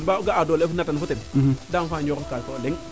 mbaa o ga'a doole opf natan fo ten D' fra enfant ñoxor kaan fo o leŋ